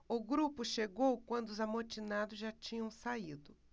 o grupo chegou quando os amotinados já tinham saído